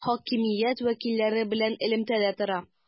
Хакимият вәкилләре белән элемтәдә тора.